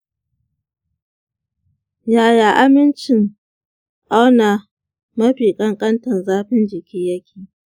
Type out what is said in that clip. yaya amincin auna mafi ƙanƙantan zafin jiki yake?